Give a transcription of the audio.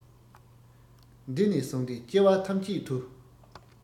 འདི ནས བཟུང སྟེ སྐྱེ བ ཐམས ཅད དུ